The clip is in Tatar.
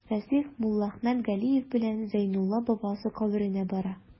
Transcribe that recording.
Расих Муллаәхмәт Галиев белән Зәйнулла бабасы каберенә бара.